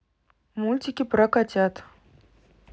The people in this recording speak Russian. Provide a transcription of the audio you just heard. мультики про котят